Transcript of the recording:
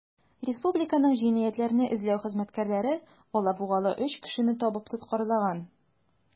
Республиканың җинаятьләрне эзләү хезмәткәрләре алабугалы 3 кешене табып тоткарлаган.